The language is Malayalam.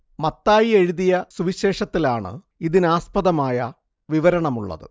മത്തായി എഴുതിയ സുവിശേഷത്തിലാണ് ഇതിനാസ്പദമായ വിവരണമുള്ളത്